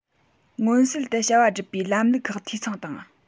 མངོན གསལ དུ བྱ བ སྒྲུབ པའི ལམ ལུགས ཁག འཐུས ཚང བཏང